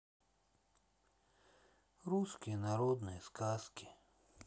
русские народные сказки